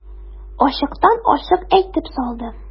Ачыктан-ачык әйтеп салды.